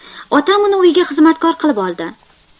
otam uni uyga xizmatkor qilib oldi